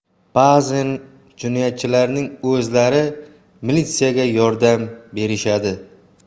ba'zan jinoyatchilarning o'zlari militsiyaga yordam berishadi